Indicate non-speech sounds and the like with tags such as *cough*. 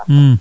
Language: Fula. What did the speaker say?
*smacks lips*